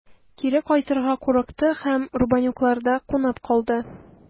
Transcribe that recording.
Кире кайтырга курыкты һәм Рубанюкларда кунып калды.